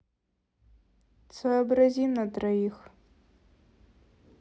сообразим на троих